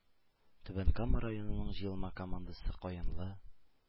Түбән Кама районының җыелма командасы Каенлы,